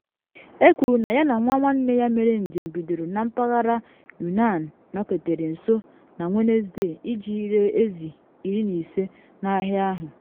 Ekwuru na ya na nwa nwanne ya mere njem bidoro na mpaghara Yunnan nọketere nso na Wenesde iji ree ezi 15 n’ahịa ahụ.